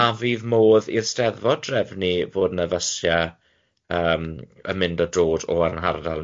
a fydd modd i'r Steddfod drefnu fod ne' fysi'e yym yn mynd a dod o yr hardale